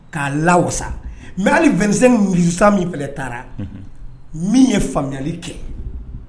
K'a la wasa mais hali 25 taara min ye faamuyali kɛ